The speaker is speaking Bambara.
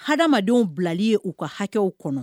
Hadamadamadenw bilali ye uu ka hakɛw kɔnɔ